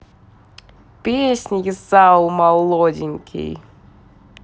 песни есаул молоденький